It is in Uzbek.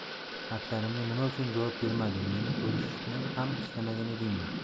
xatlarimga nima uchun javob bermading meni ko'rishni ham istamagan edingmi